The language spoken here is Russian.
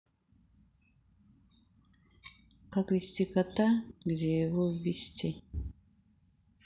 как вести кота где его ввести